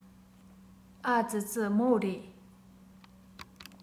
ཨ ཙི ཙི མོ རེ